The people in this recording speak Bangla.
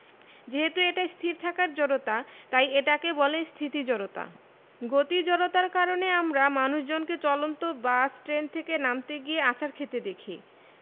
যেহেতু এটা স্থির থাকার জড়তা তাই এটাকে বলে স্থিতি জড়তা গতি জড়তার কারণে আমরা মানুষজনকে চলন্ত বাস ট্রেন থেকে নামতে গিয়ে আছাড় খেতে দেখি